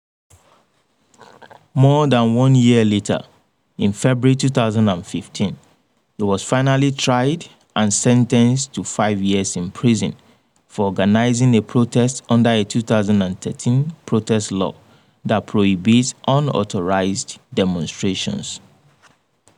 More than one year later, in February 2015, he was finally tried and sentenced to five years in prison for "organising" a protest under a 2013 protest law that prohibits unauthorised demonstrations.